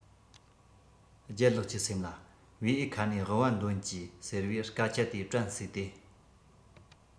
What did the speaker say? ལྗད ལགས ཀྱི སེམས ལ བེའུའི ཁ ནས ལྦུ བ འདོན གྱིས ཟེར བའི སྐད ཆ དེ དྲན གསོས ཏེ